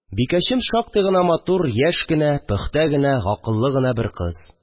Бикәчем – шактый гына матур, яшь кенә, пөхтә генә, гакыллы гына бер кыз